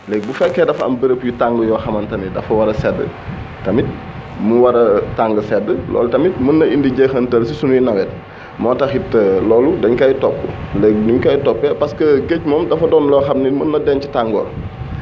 léegi bu fekkee ne dafa am béréb yu tàng yoo xamante ni dafa war a sedd tamit mu war a tàng sedd loolu tamit mën na indi jeexantal si sunuy nawet moo taxit loolu dañu koy topp léegi ni ñu koy toppee parce que géej moom dafa doon loo xam ne mën na denc tàngoor